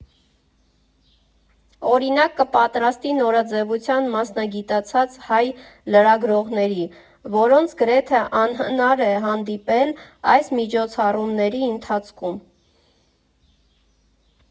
Օրինակ կպատրաստի նորաձևության մասնագիտացած հայ լրագրողների, որոնց գրեթե անհնար էր հանդիպել այս միջոցառումների ընթացքում։